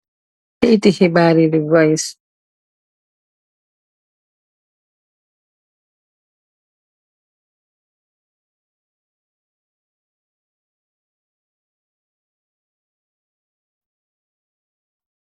Kayiti xibarr yi di voys.